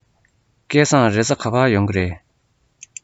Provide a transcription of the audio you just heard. སྐལ བཟང རེས གཟའ ག པར ཡོང གི རེད